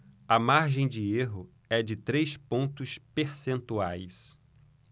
a margem de erro é de três pontos percentuais